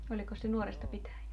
olikos se nuoresta pitäen jo